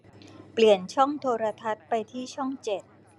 เปลี่ยนช่องโทรทัศน์ไปที่ช่องเจ็ด